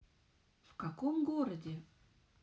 в каком городе